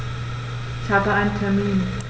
Ich habe einen Termin.